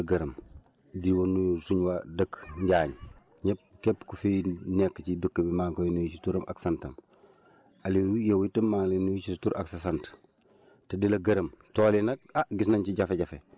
Aliou maa ngi lay nuyu di la sant di la gërëm di nuyu sunu waa dëkk Njaañ yëpp képp ku fi nekk ci dëkk bi maa ngi lay nuyu si turam ak santam Aliou yow itam maa ngi lay nuyu si sa tur ak sa sant te di la gërëm